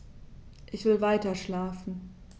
Ich will weiterschlafen.